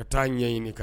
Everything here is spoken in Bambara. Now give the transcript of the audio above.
Ka ta'a ɲɛɲini ka